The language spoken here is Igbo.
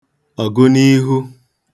ọ̀gụniihu